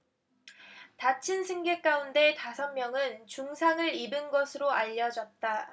다친 승객 가운데 다섯 명은 중상을 입은 것으로 알려졌다